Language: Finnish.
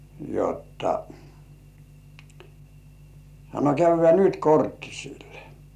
jotta sanoi käydään nyt korttisille